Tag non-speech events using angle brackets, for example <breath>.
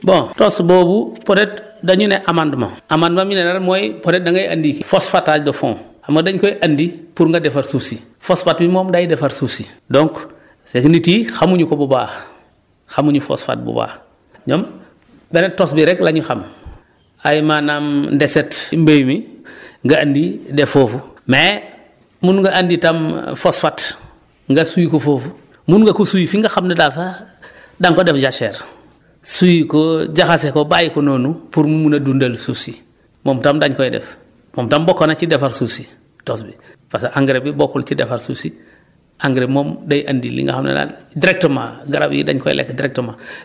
bon tos boobu peut être dañu ne amandement amandement ñu ne la mooy peut être da ngay andi phosphatage de fond xam nga dañu koy andi pour nga defar suuf si ^phosphate yi moom day defar suuf si donc c' est que nit yi xamuñu ko bu baax xamuñu phosphate bu baax ñoom benn tos bi rek la ñu xam ay maanaam ndeset mbéy mi <breath> nga andi def foofu mais mun nga andi tam phosphate nga suy ko foofu mun nga ko suy fi nga xam ne daal sax da nga ko def jachère suy ko jaxase ko bàyyi ko noonu pour mu mun a dundal suuf si moom tam daénu koy def moom tam bokk na ci defar suuf si tos bi parce que engrais bi bokkul ci defar suuf si engrais bi moom day indi li nga xam ne daal directement garab yi dañ koy lekk directement <breath>